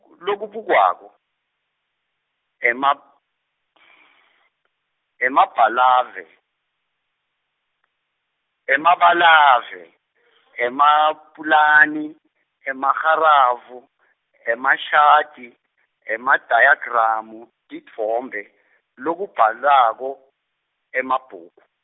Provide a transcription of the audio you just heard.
ku Lokubukwako, emab- emabalave , emabalave , emapulani, emagrafu, emashadi, emadayagramu, titfombe, lokubhalako, emabhuku.